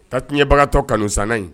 Ta tiɲɛɲɛbagatɔ kanusanana ye